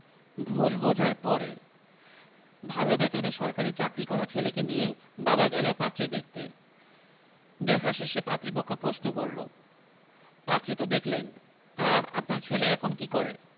ভুল বোঝার পরে ভালো বেতনে সরকারি চাকরি করা ছেলেকে নিয়ে বাবা গেল পাত্রী দেখতে দেখা শেষে পাত্রীপক্ষ প্রশ্ন করল পাত্রী তো দেখলেন তা আপনার ছেলে এখন কী করে